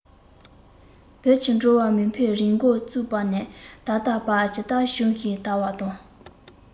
བོད ཀྱི འགྲོ བ མིའི འཕེལ རིམ མགོ བཙུགས པ ནས ད ལྟའི བར ཇི ལྟར བྱུང ཞིང དར བ དང